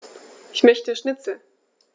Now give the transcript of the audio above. Ich möchte Schnitzel.